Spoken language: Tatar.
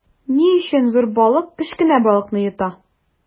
Ни өчен зур балык кечкенә балыкны йота?